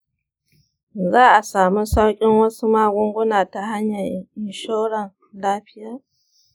za'a samu sauƙin wasu magungunan ta hanyan inshoran lafiya.